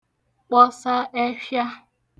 kpọsa ẹfhịa